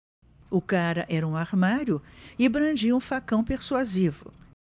o cara era um armário e brandia um facão persuasivo